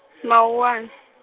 Mawuwani.